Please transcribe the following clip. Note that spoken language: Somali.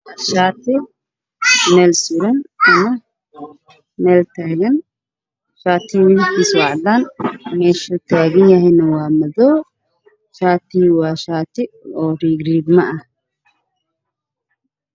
Shaati meel suran ams meel taagan shhaatiga midabkiisa cadaan meesha uu taaganyahay waa cagaar waa shaati riigriigma ah